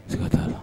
Siga t'a la